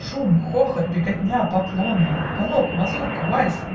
Шум, хохот, беготня, поклоны, Галоп, мазурка, вальс.